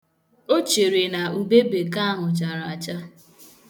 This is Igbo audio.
Ọ chere na ubebekee ahụ chara acha.